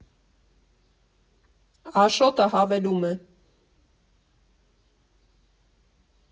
Աշոտը հավելում է.